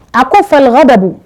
A ko fa da